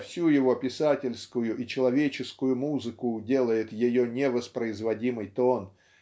всю его писательскую и человеческую музыку делает ее невоспроизводимый тон)